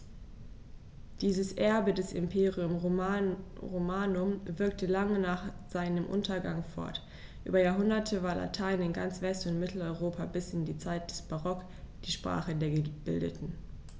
Dieses Erbe des Imperium Romanum wirkte lange nach seinem Untergang fort: Über Jahrhunderte war Latein in ganz West- und Mitteleuropa bis in die Zeit des Barock die Sprache der Gebildeten.